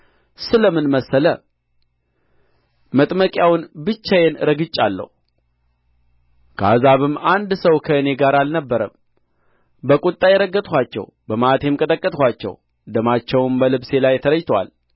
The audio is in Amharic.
ስለ ምን መሰለ መጥመቂያውን ብቻዬን ረግጫለሁ ከአሕዛብም አንድ ሰው ከእኔ ጋር አልነበረም በቍጣዬ ረገጥኋቸው በመዓቴም ቀጠቀጥኋቸው ደማቸውም በልብሴ ላይ ተረጭቶአል